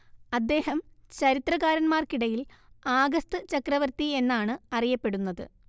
അദ്ദേഹം ചരിത്രകാരന്മാർക്കിടയിൽ ആഗസ്ത് ചക്രവർത്തി എന്നാണ് അറിയപ്പെടുന്നത്